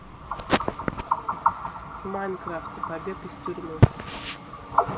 в майнкрафте побег из тюрьмы